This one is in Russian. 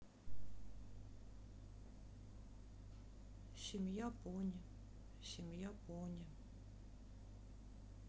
семья пони семья пони